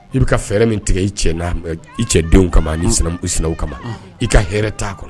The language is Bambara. I bɛ ka fɛɛrɛ min tigɛ i cɛ i cɛ denw kama ni sina kama i ka h t' aa kɔnɔ